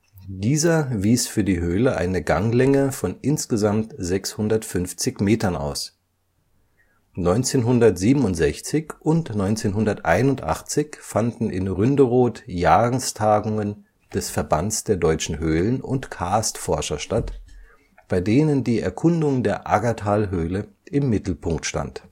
Dieser wies für die Höhle eine Ganglänge von insgesamt 650 Metern aus. 1967 und 1981 fanden in Ründeroth Jahrestagungen des Verbands der deutschen Höhlen - und Karstforscher statt, bei denen die Erkundung der Aggertalhöhle im Mittelpunkt stand